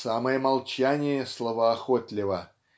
самое молчание словоохотливо